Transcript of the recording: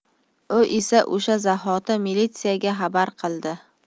u esa o'sha zahoti militsiyaga xabar qildi